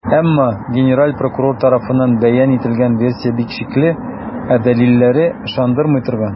Әмма генераль прокурор тарафыннан бәян ителгән версия бик шикле, ә дәлилләре - ышандырмый торган.